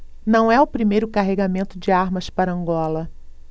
não é o primeiro carregamento de armas para angola